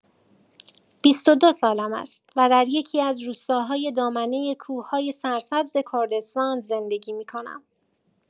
بیست و دو سالم است و در یکی‌از روستاهای دامنه کوه‌های سرسبز کردستان زندگی می‌کنم.